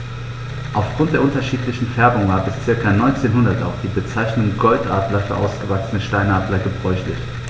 Auf Grund der unterschiedlichen Färbung war bis ca. 1900 auch die Bezeichnung Goldadler für ausgewachsene Steinadler gebräuchlich.